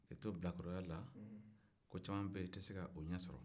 k'i to bilakoroya la ko caman bɛ yen i tɛ se k'o ɲɛ sɔrɔ